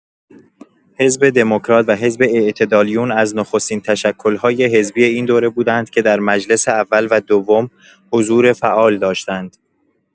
حزب دموکرات و حزب اعتدالیون از نخستین تشکل‌های حزبی این دوره بودند که در مجلس اول و دوم حضور فعال داشتند.